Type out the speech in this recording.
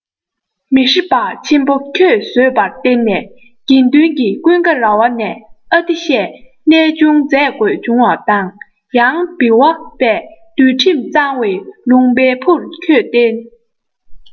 མེ ཧྲི པ ཆེན པོ ཁྱོད བཟོས པར བརྟེན ནས དགེ འདུན གྱི ཀུན དགའ རྭ བ ནས ཨ ཏི ཤས གནས འབྱུང མཛད དགོས བྱུང བ དང ཡང བིརྭ པས འདུལ འཁྲིམས གཙང བའི ལུང པའི ཕུར ཁྱོད རྟེན